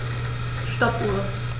Stoppuhr.